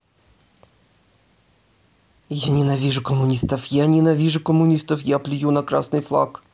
я ненавижу коммунистов я ненавижу коммунистов я плюю на красный флаг